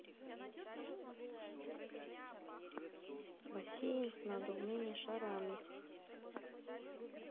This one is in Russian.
бассейн с надувными шарами